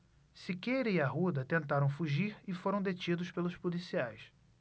siqueira e arruda tentaram fugir e foram detidos pelos policiais